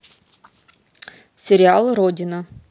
сериал родина